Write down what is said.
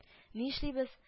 — ни эшлибез